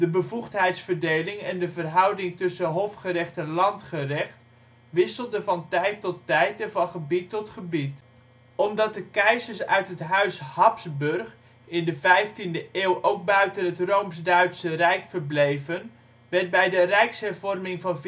bevoegdheidsverdeling en de verhouding tussen hofgerecht en landgerecht wisselde van tijd tot tijd en van gebied tot gebied. Omdat de keizers uit het huis Habsburg in de 15e eeuw ook buiten het Rooms-Duitse Rijk verbleven werd bij de Rijkshervorming van